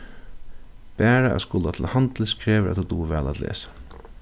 bara at skula til handils krevur at tú dugir væl at lesa